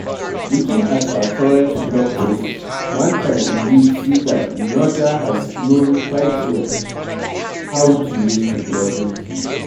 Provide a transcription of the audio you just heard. Looking at her current blog posts, one can indeed see that Nyota has known quite well how to use the blogging tool.